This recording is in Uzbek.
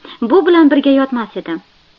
bu bilan birga yotmas edim